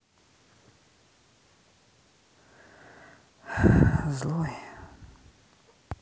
злой